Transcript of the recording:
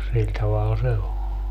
sillä tavalla se on